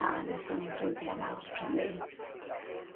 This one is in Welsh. A ddethon ni'n ffrindie mawr pryd 'ny.